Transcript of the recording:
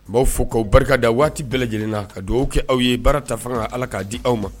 U b'a fɔ k'aw barika da waati bɛɛ lajɛlenna ka dugawu kɛ aw ye baara ta fanga ala k'a di aw ma